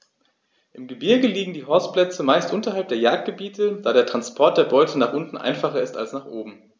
Im Gebirge liegen die Horstplätze meist unterhalb der Jagdgebiete, da der Transport der Beute nach unten einfacher ist als nach oben.